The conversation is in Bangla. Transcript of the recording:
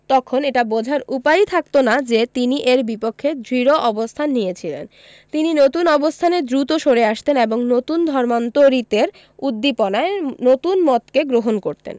তখন এটা বোঝার উপায়ই থাকত না যে তিনি এর বিপক্ষে দৃঢ় অবস্থান নিয়েছিলেন তিনি নতুন অবস্থানে দ্রুত সরে আসতেন এবং নতুন ধর্মান্তরিতের উদ্দীপনায় নতুন মতকে গ্রহণ করতেন